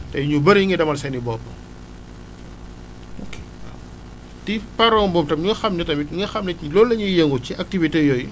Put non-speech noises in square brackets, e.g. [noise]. te ñu bëree ngi demal seen bopp [noise] te * boobu itam ñi nga xam ne tamit ñi nga xam ne ci loolu la ñuy yëngu ci activité yooyu